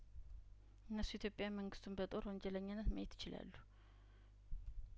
እነሱ ኢትዮጵያውያን መንግስቱን በጦር ወንጀለኛነት ማየት ይችላሉ